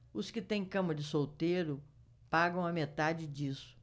os que têm cama de solteiro pagam a metade disso